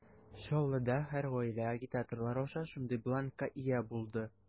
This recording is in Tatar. Чаллыда һәр гаилә агитаторлар аша шундый бланкка ия булды.